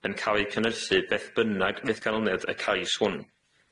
yn ca'l 'u cynnyrthu beth bynnag bydd ganlyniad y cais hwn